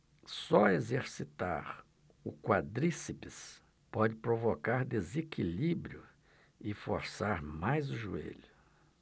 só exercitar o quadríceps pode provocar desequilíbrio e forçar mais o joelho